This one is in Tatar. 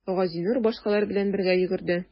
Газинур башкалар белән бергә йөгерде.